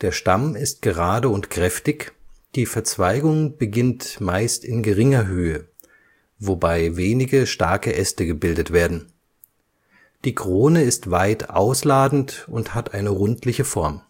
Stamm ist gerade und kräftig, die Verzweigung beginnt meist in geringer Höhe, wobei wenige starke Äste gebildet werden. Die Krone ist weit ausladend und hat eine rundliche Form